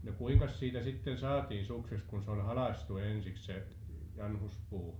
no kuinkas siitä sitten saatiin sukseksi kun se oli halkaistu ensiksi se janhuspuu